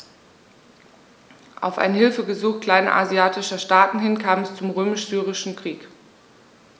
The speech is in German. Auf ein Hilfegesuch kleinasiatischer Staaten hin kam es zum Römisch-Syrischen Krieg.